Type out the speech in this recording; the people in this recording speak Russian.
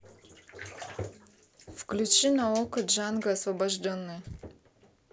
включи на окко джанго освобожденный